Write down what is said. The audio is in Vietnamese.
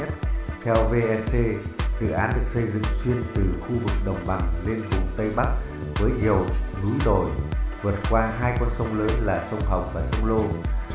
theo vec dự án được xây dựng xuyên từ khu vực đồng bằng lên vùng tây bắc với nhiều đồi núi vượt qua hai con sông lớn là sông hồng và sông lô